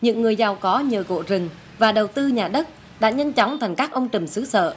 những người giàu có nhờ gỗ rừng và đầu tư nhà đất đã nhanh chóng thành các ông trùm xứ sở